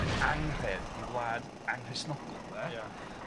anghred, i wlad anghristnogol de. Ia.